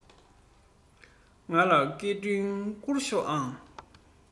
ང ལ སྐད འཕྲིན བསྐུར ཤོག ཨང